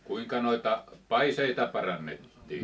kuinka noita paiseita parannettiin